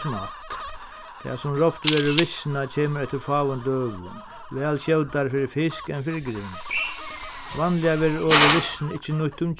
smakk tað sum rópt verður visnað kemur eftir fáum døgum væl skjótari fyri fisk enn fyri grind vanliga verður orðið visnað ikki nýtt um